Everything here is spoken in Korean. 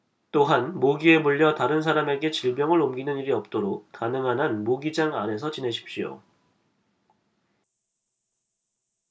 또한 모기에 물려 다른 사람에게 질병을 옮기는 일이 없도록 가능한 한 모기장 안에서 지내십시오